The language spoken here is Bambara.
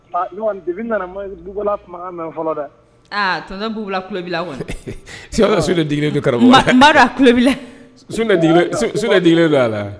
A depuis n nana n ma Bubu La kumakan mɛn fɔlɔ dɛ, a tonton Bubu La tulo b'i la kɔni, sun de digilen don karamɔgɔ, n b'a dɔn a tulo b'i la, sun de digilen sun de digilen don a la